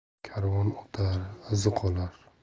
karvon o'tar izi qolar